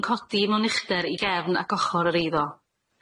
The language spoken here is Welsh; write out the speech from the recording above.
yn codi mewn uchder i gefn ac ochor yr eiddo.